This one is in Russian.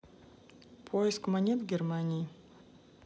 поиск монет в германии